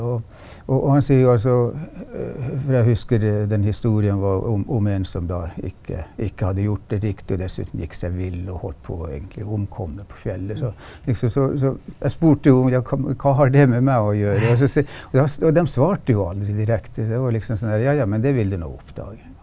og og han seier jo altså for jeg husker den historien om om om en som da ikke ikke hadde gjort det riktig og dessuten gikk seg vill og holdt på egentlig å omkomme på fjellet så liksom så så jeg spurte jo ja hva hva har det med meg å gjøre og så og ja og dem svarte jo aldri direkte, det var liksom sånn der ja ja men det vil du nå oppdage.